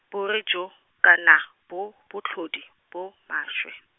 bore jo, kana, bo, botlhodi bo, maswe.